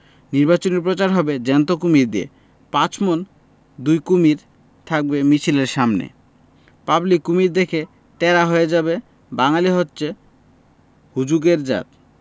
নির্বাচনী প্রচার হবে জ্যান্ত কুমীর দিয়ে পাঁচমণি দুই কুমীর থাকবে মিছিলের সামনে পাবলিক কুমীর দেখে ট্যারা হয়ে যাবে বাঙ্গালী হচ্ছে হুজুগের জাত